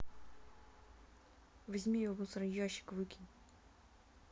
возьми ее в мусорный ящик выкинь